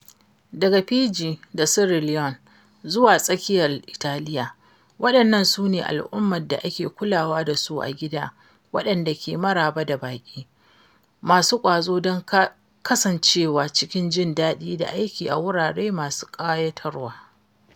Daga Fiji da Sierra Leone zuwa tsakiyar Italiya, waɗannan su ne al’ummar da ake kulawa da su a gida waɗanda ke maraba da baƙi masu ƙwazo don kasan cewa cikin jin daɗi da aiki a wurare masu ƙayatarwa.